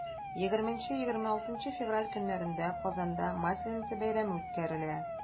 20-26 февраль көннәрендә казанда масленица бәйрәме үткәрелә.